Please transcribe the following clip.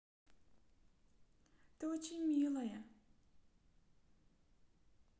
ты очень милая